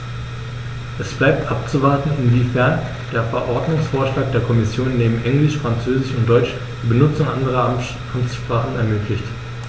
Es bleibt abzuwarten, inwiefern der Verordnungsvorschlag der Kommission neben Englisch, Französisch und Deutsch die Benutzung anderer Amtssprachen ermöglicht.